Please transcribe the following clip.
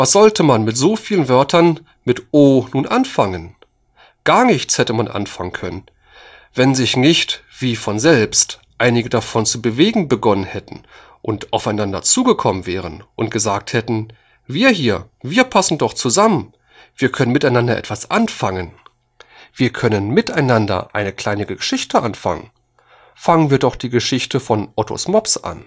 sollte man mit so vielen Wörtern mit o nun anfangen? Gar nichts hätte man anfangen können, wenn sich nicht, wie von selbst, einige davon zu bewegen begonnen hätten und aufeinander zugekommen wären und gesagt hätten: wir hier, wir passen doch zusammen, wir können miteinander etwas anfangen, wir können miteinander eine kleine Geschichte anfangen; fangen wir doch die Geschichte von ottos mops an